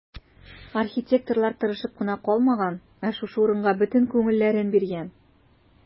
Архитекторлар тырышып кына калмаган, ә шушы урынга бөтен күңелләрен биргән.